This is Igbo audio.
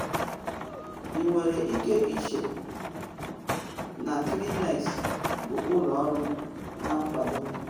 “Ị nwere ike ịche na Kleenex bụ ụlọ ọrụ na akwado m.